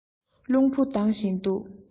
རླུང བུ ལྡང བཞིན འདུག